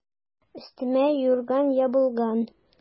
Өстемә юрган ябылган.